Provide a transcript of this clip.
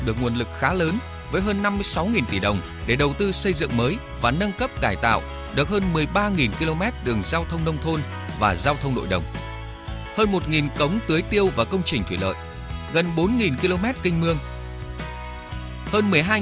được nguồn lực khá lớn với hơn năm mươi sáu nghìn tỷ đồng để đầu tư xây dựng mới và nâng cấp cải tạo được hơn mười ba nghìn ki lô mét đường giao thông nông thôn và giao thông nội đồng hơn một nghìn cống tưới tiêu và công trình thủy lợi gần bốn nghìn ki lô mét kênh mương hơn mười hai